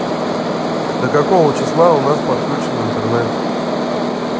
до какого числа у нас подключен интернет